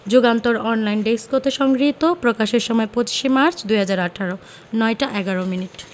Jugantor online desk হতে সংগৃহীত প্রকাশের সময় ২৫ মার্চ ২০১৮ ০৯ টা ১১ মিনিট